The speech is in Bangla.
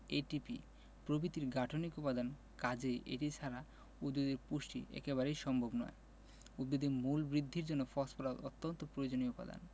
ATP প্রভৃতির গাঠনিক উপাদান কাজেই এটি ছাড়া উদ্ভিদের পুষ্টি একেবারেই সম্ভব নয় উদ্ভিদের মূল বৃদ্ধির জন্য ফসফরাস অত্যন্ত প্রয়োজনীয় উপাদান